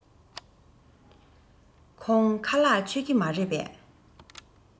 ཁོང ཁ ལག མཆོད ཀྱི མ རེད པས